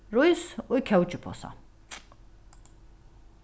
rís í kókiposa